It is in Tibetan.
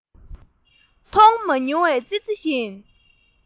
མཐོང མ མྱོང བའི ཙི ཙི བཞིན